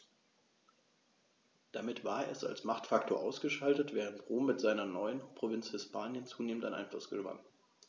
Damit war es als Machtfaktor ausgeschaltet, während Rom mit seiner neuen Provinz Hispanien zunehmend an Einfluss gewann.